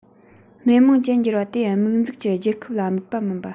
སྣེ མང ཅན འགྱུར བ དེ དམིགས འཛུགས ཀྱི རྒྱལ ཁབ ལ དམིགས པ མིན པ